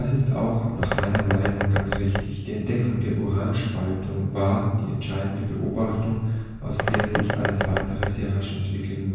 ist auch nach meiner Meinung ganz richtig. Die Entdeckung der Uranspaltung […] war die entscheidende Beobachtung, aus der sich alles weitere sehr rasch entwickeln